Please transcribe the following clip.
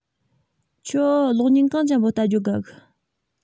ཁྱོད གློག བརྙན གང ཅན པོ བལྟ རྒྱུའོ དགའ གི